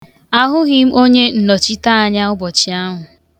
Ahụghị m onyennọchiteanya ụbọchị ahụ.